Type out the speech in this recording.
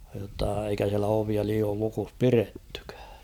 jotta eikä siellä ovia liioin lukossa pidettykään